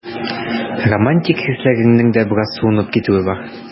Романтик хисләреңнең дә бераз суынып китүе бар.